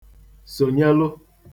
sònyelu